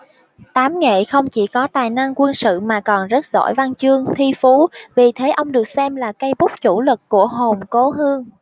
tám nghệ không chỉ có tài năng quân sự mà còn rất giỏi văn chương thi phú vì thế ông được xem là cây bút chủ lực của hồn cố hương